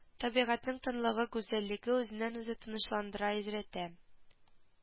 Табигатьнең тынлыгы гүзәллеге үзеннән-үзе тынычландыра изрәтә